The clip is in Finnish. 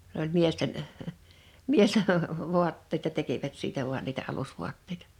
se oli miesten miesten vaatteita tekivät siitä vain niitä alusvaatteita